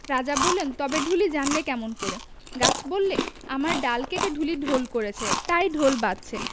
রাজা বললেন তবে ঢুলি জানলে কেমন করে গাছ বললে আমার ডাল কেটে ঢুলি ঢোল করেছে তাই ঢোল বাজছে